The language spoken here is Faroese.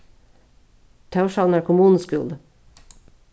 tórshavnar kommunuskúli